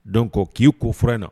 Donc k'i ko fura in na